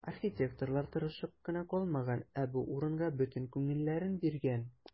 Архитекторлар тырышып кына калмаган, ә бу урынга бөтен күңелләрен биргән.